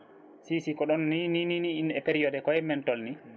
si si ko ɗon ni ni e période koyem min tolni